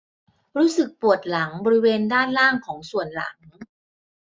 รู้สึกปวดหลังบริเวณด้านล่างของส่วนหลัง